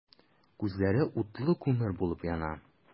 Күзләре утлы күмер булып яна.